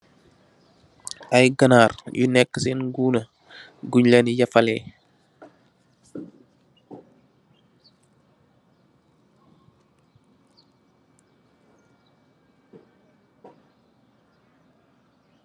Ay ganarr yu nekka ci sèèn nguneh guñ leeni yafaleh.